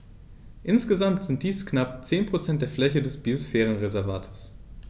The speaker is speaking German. Insgesamt sind dies knapp 10 % der Fläche des Biosphärenreservates.